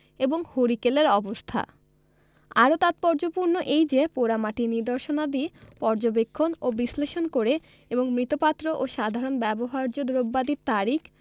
এবং হরিকেলের অবস্থা আরও তাৎপর্যপূর্ণ এই যে পোড়ামাটির নিদর্শনাদি পর্যবেক্ষণ ও বিশ্লেষণ করে এবং মৃৎপাত্র ও সাধারণ ব্যবহার্য দ্রব্যাদির তারিখ